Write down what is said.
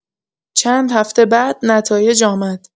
چند هفته بعد، نتایج آمد.